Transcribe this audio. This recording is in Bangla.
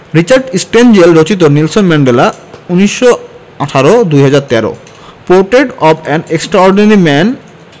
রিচার্ড স্টেনজেল রচিত Nelson Mandela ১৯১৮ ২০১৩ portrait of an extraordinary man